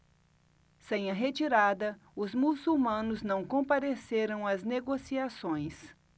sem a retirada os muçulmanos não compareceram às negociações